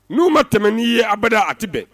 N'u ma tɛmɛ'i ye abada a tɛ bɛn